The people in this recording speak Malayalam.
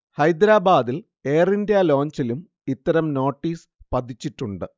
ഹൈദരാബാദിൽ എയർ ഇന്ത്യ ലോഞ്ചിലും ഇത്തരം നോട്ടീസ് പതിച്ചിട്ടുണ്ട്